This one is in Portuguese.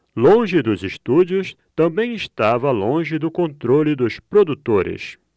longe dos estúdios também estava longe do controle dos produtores